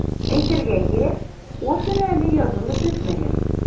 Әйтергә кирәк, опера әле язылып бетмәгән.